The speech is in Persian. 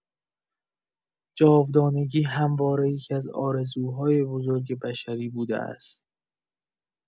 جاودانگی همواره یکی‌از آرزوهای بزرگ بشری بوده است.